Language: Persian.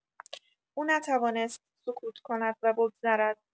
او نتوانست سکوت کند و بگذرد؛